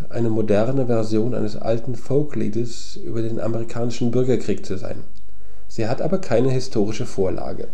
eine moderne Version eines alten Folkliedes über den amerikanischen Bürgerkrieg zu sein, sie hat aber keine historische Vorlage